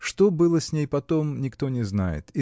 Что было с ней потом, никто не знает.